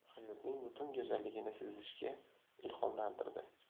hayotning butun go'zalligini sezishga ilhomlantirdi